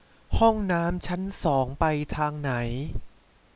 ห้องน้ำชั้นสองไปทางไหน